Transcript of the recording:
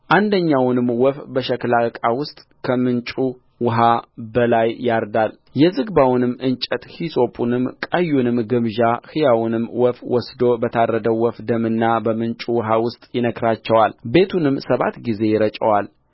አንደኛውንም ወፍ በሸክላ ዕቃ ውስጥ ከምንጩ ውኃ በላይ ያርዳልየዝግባውን እንጨት ሂሶጱንም ቀዩንም ግምጃ ሕያውንም ወፍ ወስዶ በታረደው ወፍ ደምና በምንጩ ውኃ ውስጥ ይነክራቸዋል ቤቱንም ሰባት ጊዜ ይረጨዋል